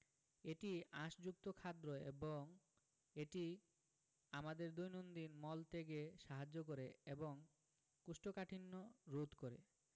এটি আঁশযুক্ত খাদ্য এবং এটি আমাদের দৈনন্দিন মল ত্যাগে সাহায্য করে এবং কোষ্ঠকাঠিন্য রোধ করে